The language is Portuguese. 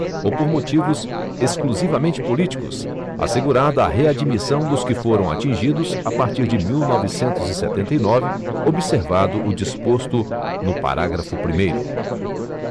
ou por motivos exclusivamente políticos assegurada a readmissão dos que foram atingidos a partir de mil novecentos e setenta e nove observado o disposto no parágrafo primeiro